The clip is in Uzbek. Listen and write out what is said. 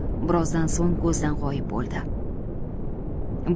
birozdan so'ng ko'zdan g'oyib bo'ldi